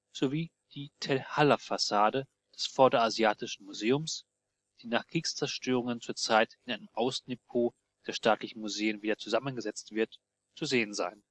sowie die Tell-Halaf-Fassade des Vorderasiatischen Museums, die nach Kriegszerstörungen zurzeit in einem Außendepot der Staatlichen Museen wieder zusammengesetzt wird, zu sehen sein